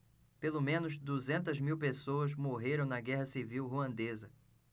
pelo menos duzentas mil pessoas morreram na guerra civil ruandesa